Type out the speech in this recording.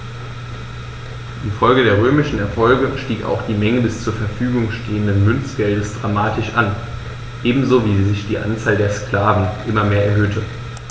Infolge der römischen Erfolge stieg auch die Menge des zur Verfügung stehenden Münzgeldes dramatisch an, ebenso wie sich die Anzahl der Sklaven immer mehr erhöhte.